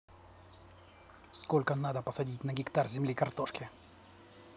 сколько надо посадить на гектар земли картошки